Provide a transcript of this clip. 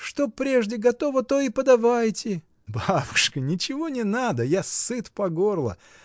Что прежде готово, то и подавайте. — Бабушка! Ничего не надо. Я сыт по горло.